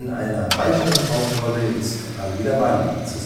einer weiteren Hauptrolle ist Alida Valli zu